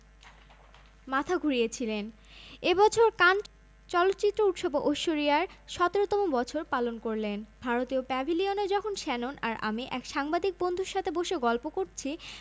মাথা ঘুরিয়েছিলেন এ বছর কান চলচ্চিত্র উৎসবে ঐশ্বরিয়া ১৭তম বছর পালন করলেন ভারতীয় প্যাভিলিয়নে যখন শ্যানন আর আমি এক সাংবাদিক বন্ধুর সাথে বসে গল্প করছি